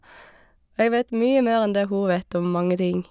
Og jeg vet mye mer enn det hun vet, om mange ting.